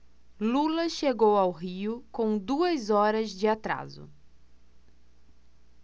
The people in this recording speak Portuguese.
lula chegou ao rio com duas horas de atraso